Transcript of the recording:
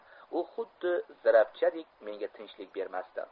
u xuddi zirapchadek menga tinchlik bermasdi